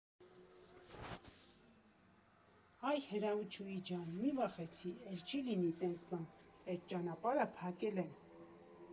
Այ Հրաչուհի ջան, մի վախեցի, էլ չի լինի տենց բան, էդ ճանապարհը փակել են։